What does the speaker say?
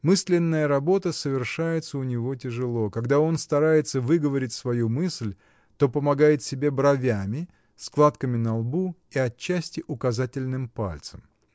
Мысленная работа совершается у него тяжело: когда он старается выговорить свою мысль, то помогает себе бровями, складками на лбу и отчасти указательным пальцем.